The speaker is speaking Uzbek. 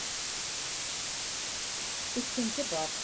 ikkinchi bob